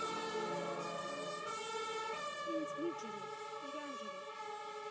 Ինձ մի ջրեք, իրան ջրեք։